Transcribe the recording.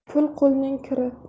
pul qo'lning kiri